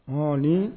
Hɔni